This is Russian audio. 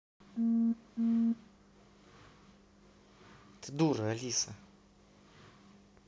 ты дура алиса